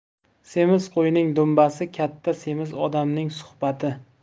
semiz qo'yning dumbasi katta semiz odamning suhbati